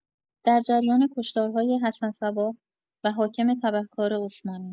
در جریان کشتارهای حسن صباح و حاکم تبهکار عثمانی